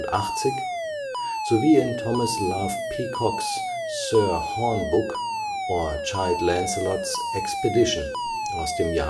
1785) sowie in Thomas Love Peacocks Sir Horn-book, or Childe Lancelot’ s Expedition (1814